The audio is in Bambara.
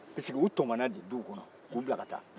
pisike u tɔmɔnna de duw kɔnɔ k'u bila ka taa